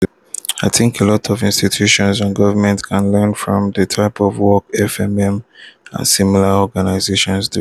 I think a lot of institutions and governments can learn from the type of work FMM and similar organizations do.